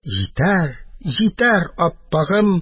Җитәр, җитәр, аппагым!